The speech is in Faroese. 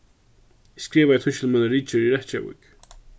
eg skrivaði tískil mína ritgerð í reykjavík